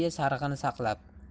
ye sarig'ini saqlab